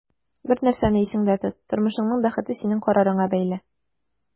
Бер нәрсәне исеңдә тот: тормышыңның бәхете синең карарыңа бәйле.